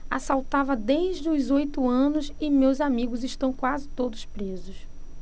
assaltava desde os oito anos e meus amigos estão quase todos presos